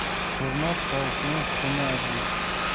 tug'mas tovuqning tuxumi aziz